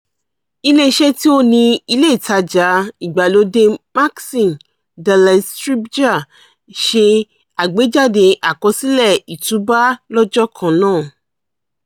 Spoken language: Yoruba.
Ilé-iṣẹ́ tí ó ni ilé ìtajà-ìgbàlóde Maxi, Delez Srbija, ṣe àgbéjáde àkọsílẹ̀ ìtúúbá lọ́jọ́ kan náà.